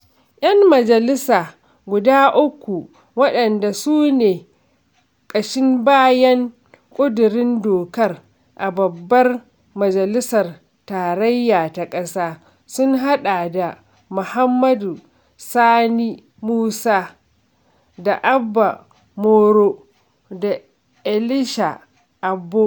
Yan majalisa guda uku waɗanda su ne ƙashin bayan ƙudurin dokar a babbar majalisar tarayya ta ƙasa sun haɗa da: Mohammed Sani Musa (wanda ya ƙirƙiri ƙudurin) da Abba Moro da Elisha Abbo